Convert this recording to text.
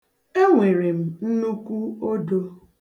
E nwere m nnukwu odo.